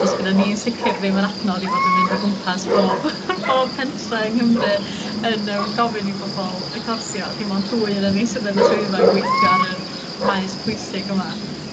Do's gyda ni yn sicir ddim yr adnodd i fod yn mynd o gwmpas bob bob pentre yng Nghymru yn yym gofyn i bobol recordio, a dim on' dwy onon ni sydd yn y swyddfa yn gweithio ar yr maes pwysig yma